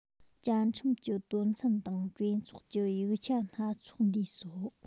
བཅའ ཁྲིམས ཀྱི དོན ཚན དང གྲོས ཚོགས ཀྱི ཡིག ཆ སྣ ཚོགས འདུས སོ